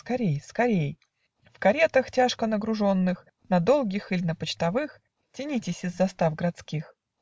скорей, скорей, В каретах, тяжко нагруженных, На долгих иль на почтовых Тянитесь из застав градских.